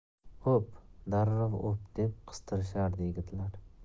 o'p darrov o'p deb qistashardi yigitlar